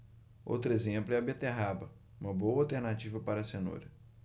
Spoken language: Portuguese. outro exemplo é a beterraba uma boa alternativa para a cenoura